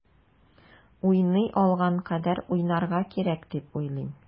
Уйный алган кадәр уйнарга кирәк дип уйлыйм.